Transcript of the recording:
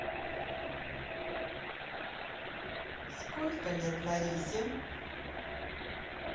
сколько лет ларисе